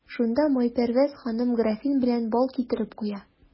Шунда Майпәрвәз ханым графин белән бал китереп куя.